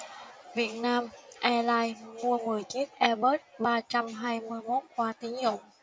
vietnam airlines mua mười chiếc airbus ba trăm hai mươi mốt qua tín dụng